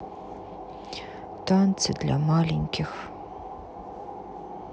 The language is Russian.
танцы для маленьких